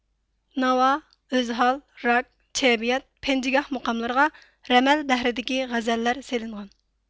ناۋا ئۆزھال راك چەببىيات پەنجىگاھ مۇقاملىرىغا رەمەل بەھرىدىكى غەزەللەر سېلىنغان